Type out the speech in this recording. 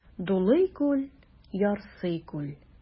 Дулый күл, ярсый күл.